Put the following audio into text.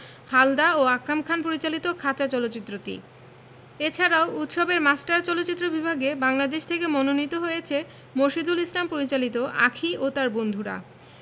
হালদা ও আকরাম খান পরিচালিত খাঁচা চলচ্চিত্রটি এছাড়াও উৎসবের মাস্টার চলচ্চিত্র বিভাগে বাংলাদেশ থেকে মনোনীত হয়েছে মোরশেদুল ইসলাম পরিচালিত আঁখি ও তার বন্ধুরা